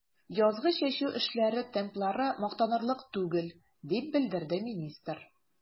Язгы чәчү эшләре темплары мактанырлык түгел, дип белдерде министр.